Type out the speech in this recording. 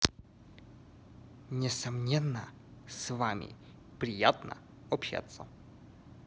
несомненно с вами приятно общаться